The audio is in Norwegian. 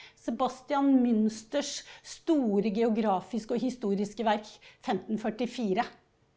Sebastian Münsters store geografiske og historiske verk, femtenførtifire.